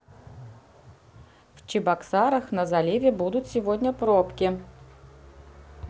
в чебоксарах на заливе будут сегодня вечером пробки